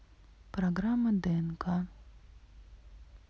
программа днк